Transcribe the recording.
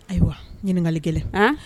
Ayiwa ɲininkali gɛlɛn, an